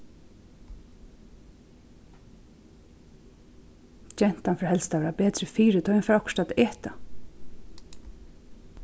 gentan fer helst at vera betri fyri tá ið hon fær okkurt at eta